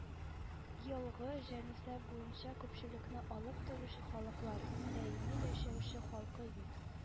Елгы җанисәп буенча күпчелекне алып торучы халыклар: даими яшәүче халкы юк